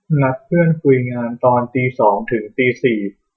นัดเพื่อนคุยงานตอนตีสองถึงตีสี่